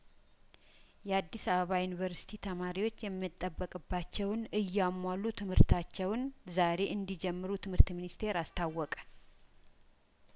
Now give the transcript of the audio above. የአዲስ አበባ ዩኒቨርስቲ ተማሪዎች የሚጠበቅባቸውን እያሟሉ ትምህርታቸውን ዛሬ እንዲጀምሩ ትምህርት ሚኒስቴር አስታወቀ